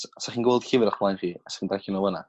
'sa- 'sa chi'n gweld llyfyr o'ch blaen chi a 'sa chi'n darllan o fana